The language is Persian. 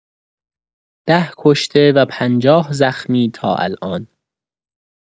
۱۰ کشته و ۵۰ زخمی تا الان!